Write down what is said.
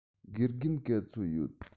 དགེ རྒན ག ཚོད ཡོད